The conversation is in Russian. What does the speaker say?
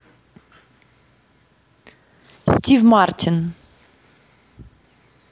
стив мартин